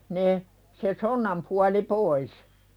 ne se sonnan puoli pois